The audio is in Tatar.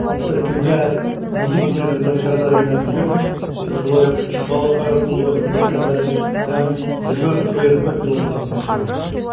Төркемгә милиция хезмәткәрләре генә түгел, шулай ук Чкалов аэроклубы хезмәткәрләре һәм "Взлет" ФСБ пилотлары да кергән.